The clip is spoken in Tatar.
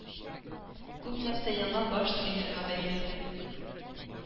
Күп нәрсә яңа баш тренерга бәйле.